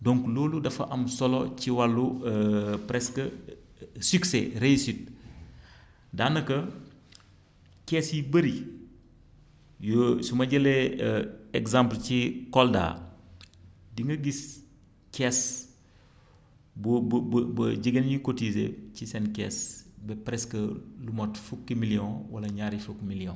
donc loolu dafa am solo ci wàllu presque succès réussite daanaka kees yu bëri yoo su ma jëlee exemple ci Kolda di nga gis kees bu bu bu ba jigéen ñi cotiser ci seen kees ba presque lu mot fukki million wala ñaari fukki million